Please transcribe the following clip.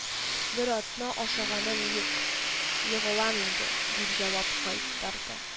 Бер атна ашаганым юк, егылам инде, – дип җавап кайтарды